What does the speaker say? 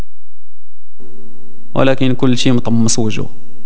ولكن كل شيء مضوجه